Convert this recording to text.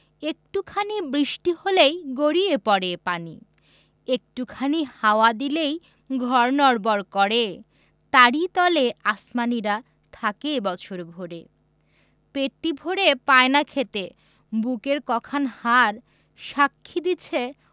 একটু খানি বৃষ্টি হলেই গড়িয়ে পড়ে পানি একটু খানি হাওয়া দিলেই ঘর নড়বড় করে তারি তলে আসমানীরা থাকে বছর ভরে পেটটি ভরে পায় না খেতে বুকের ক খান হাড় সাক্ষী দিছে